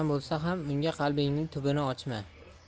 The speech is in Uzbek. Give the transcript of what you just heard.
bo'lsa ham unga qalbingning tubini ochma